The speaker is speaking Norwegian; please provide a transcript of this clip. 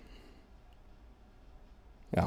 Ja.